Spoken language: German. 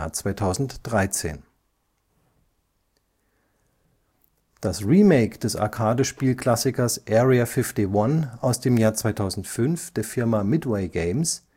2013). Das Remake des Arcade-Spiel-Klassikers Area 51 (2005) der Firma Midway Games